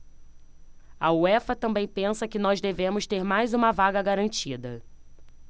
a uefa também pensa que nós devemos ter mais uma vaga garantida